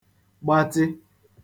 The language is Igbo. gbatị